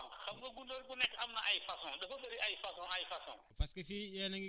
dafa am façon wànq xam nga gunóor bu nekk am na ay façon dafa bëri ay façon ay façon